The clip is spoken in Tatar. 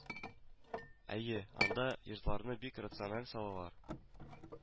Әйе, анда йортларны бик рациональ салалар